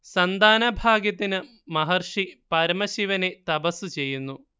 സന്താനഭാഗ്യത്തിനു മഹർഷി പരമശിവനെ തപസ്സു ചെയ്യുന്നു